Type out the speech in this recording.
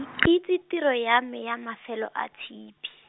ke itse tiro ya me ya mafelo a tshipi.